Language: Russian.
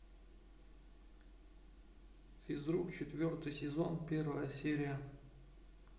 физрук четвертый сезон первая серия